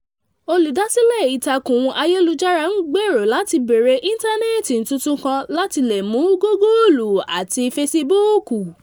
Olùdásílẹ Ìtàkùǹ Àyélujára ń gbèrò láti Bẹ̀rẹ̀ Íntánẹ̀ẹ̀tì Tuntun kan láti lé Mú Google àti Facebook